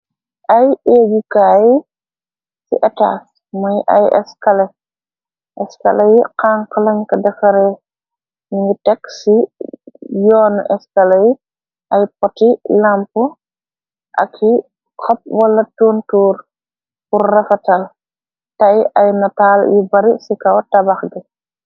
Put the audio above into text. Ay eegukaay ci etaas moy ay eskale yi xanxlënk defare ningu tekk ci yoonu eskala yi ay poti lamp ak yi xob wala tuntuur bur rafatal tey ay natal yi bari ci kaw tabax bi.